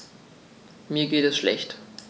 Mir geht es schlecht.